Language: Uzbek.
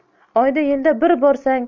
oyda yilda bir borsang